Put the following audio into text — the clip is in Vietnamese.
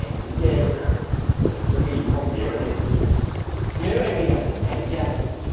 mà cũng chê nữa hả sao cái gì cũng không chịu hết vậy nếu em đi gặp khách hàng với anh